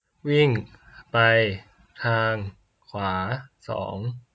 วิ่งไปทางขวาสอง